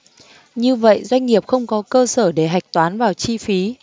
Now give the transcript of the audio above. như vậy doanh nghiệp không có cơ sở để hạch toán vào chi phí